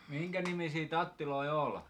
minkä nimisiä tatteja oli